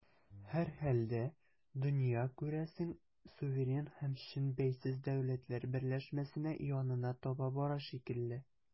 Һәрхәлдә, дөнья, күрәсең, суверен һәм чын бәйсез дәүләтләр берләшмәсенә янына таба бара шикелле.